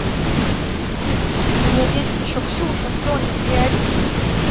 у меня есть еще ксюша соня и ариша